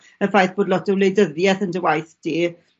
y ffaith bod lot o wleidythieth yn dy waith di